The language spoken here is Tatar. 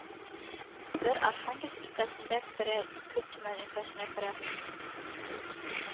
Бер архангельск өлкәсенә керә ике төмән өлкәсенә керә